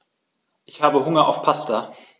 Ich habe Hunger auf Pasta.